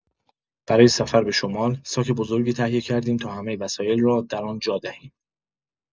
برای سفر به شمال، ساک بزرگی تهیه کردیم تا همه وسایل را در آن جا دهیم.